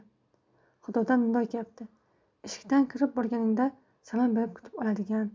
xudodan nido kepti eshikdan kirib borganingda salom berib kutib oladigan